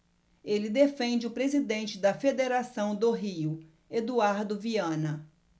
ele defende o presidente da federação do rio eduardo viana